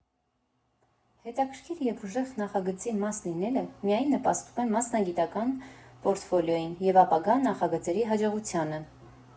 Հետաքրքիր և ուժեղ նախագծի մաս լինելը միայն նպաստում է մասնագիտական պորտֆոլիոյին և ապագա նախագծերի հաջողությանը։